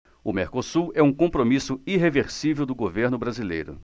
o mercosul é um compromisso irreversível do governo brasileiro